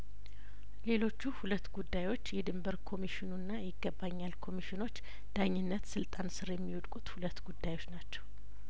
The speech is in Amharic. ሌሎቹ ሁለት ጉዳዮች የድንበር ኮሚሽኑና የይገባኛል ኮሚሽ ኖች ዳኝነት ስልጣን ስር የሚወድቁት ሁለት ጉዳዮች ናቸው